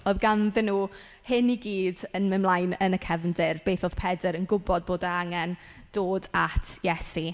Oedd ganddyn nhw hyn i gyd yn mynd mlaen yn y cefndir. Beth oedd Pedr yn gwybod bod e angen dod at Iesu.